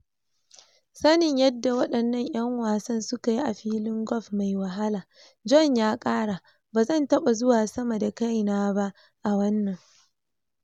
Sanin yadda wadannan ‘yan wasan suka yi a filin golf mai wahala, Bjorn ya kara: “Ba zan taɓa zuwa sama da kaina ba a wannan.